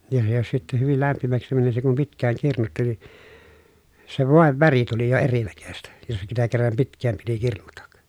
ja se jos sitten hyvin lämpimäksi meni se kun pitkään kirnuttiin niin se voin väri tuli jo erinäköistä jos sitä kerran pitkään piti kirnuta